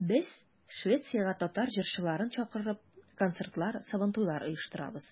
Без, Швециягә татар җырчыларын чакырып, концертлар, Сабантуйлар оештырабыз.